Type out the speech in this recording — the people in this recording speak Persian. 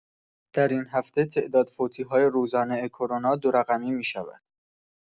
در این هفته تعداد فوتی‌های روزانه کرونا دو رقمی می‌شود.